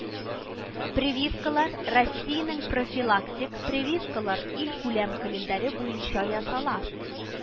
Прививкалар Россиянең профилактик прививкалар илкүләм календаре буенча ясала